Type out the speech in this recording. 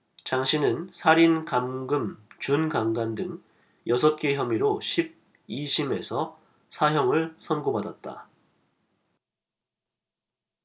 장씨는 살인 감금 준강간 등 여섯 개 혐의로 십 이 심에서 사형을 선고받았습니다